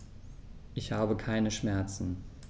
Ich habe keine Schmerzen.